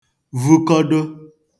vukọdo